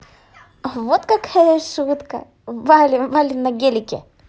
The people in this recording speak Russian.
вот какая шутка валим валим на гелике